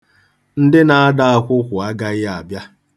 Ndị na-ada akwụkwụ agaghị abịa.